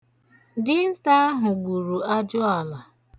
Dinta ahụ gburu ajụala.